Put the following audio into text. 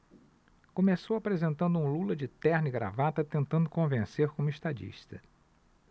começou apresentando um lula de terno e gravata tentando convencer como estadista